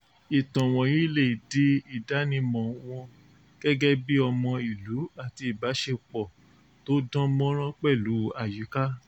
Ìtàn wọ̀nyí lè di ìdánimọ̀ọ wọn gẹ́gẹ́ bí ọmọ ìlú àti ìbáṣepọ̀ t'ó dán mánrán pẹ̀lú àyíká.